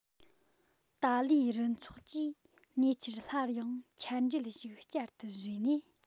ཏཱ ལའི རུ ཚོགས ཀྱིས ཉེ ཆར སླར ཡང འཆད འགྲེལ ཞིག བསྐྱར དུ བཟོས ནས